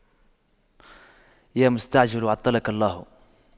يا مستعجل عطلك الله